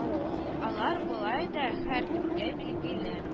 Алар болай да һәркемгә билгеле